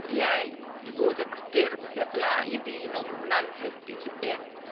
ie i fod yn natur a pethe ffel 'a. I fi 'no ma' hwnna'n helpu tipyn.